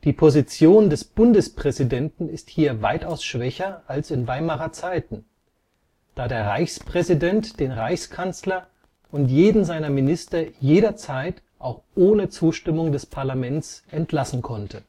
Position des Bundespräsidenten ist hier weitaus schwächer als in Weimarer Zeiten, da der Reichspräsident den Reichskanzler und jeden seiner Minister jederzeit auch ohne Zustimmung des Parlaments entlassen konnte